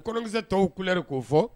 Kolonkisɛ tɔw kulɛre ko'o fɔ